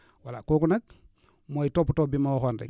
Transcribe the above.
voilà kooku nag mooy toppatoo bi ma waxoon rek